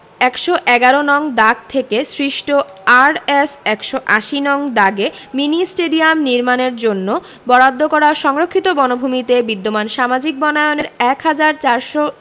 ১১১ নং দাগ থেকে সৃষ্ট আরএস ১৮০ নং দাগে মিনি স্টেডিয়াম নির্মাণের জন্য বরাদ্দ করা সংরক্ষিত বনভূমিতে বিদ্যমান সামাজিক বনায়নের ১ হাজার ৪০০